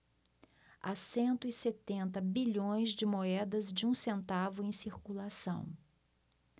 há cento e setenta bilhões de moedas de um centavo em circulação